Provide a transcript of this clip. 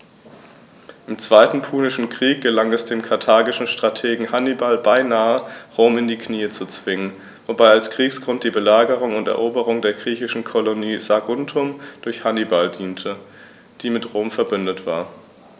Im Zweiten Punischen Krieg gelang es dem karthagischen Strategen Hannibal beinahe, Rom in die Knie zu zwingen, wobei als Kriegsgrund die Belagerung und Eroberung der griechischen Kolonie Saguntum durch Hannibal diente, die mit Rom „verbündet“ war.